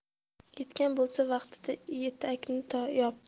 yetgan bo'lsa vaqtida etakni yop